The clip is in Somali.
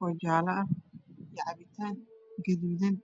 oo jaalo ah iyo capitaan gaduudan